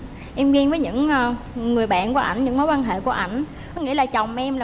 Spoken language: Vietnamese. em ghen với những người bạn của ảnh những mối quan hệ của ảnh nghĩa là chồng em